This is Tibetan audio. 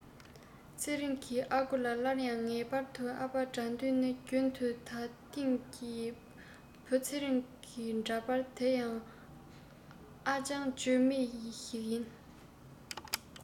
ཚེ རིང གི ཨ ཁུ ལ སླར ཡང ངེས པར དུ ཨ ཕ དགྲ འདུལ ནི དུས རྒྱུན དུ ད ཐེངས ཀྱི བུ ཚེ རིང གི འདྲ པར འདི ཡང ཨ ཅང བརྗོད མེད ཞིག ཡིན